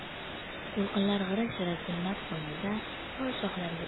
to'lqinlar g'ira shira zulmat qo'ynida tol shoxlariga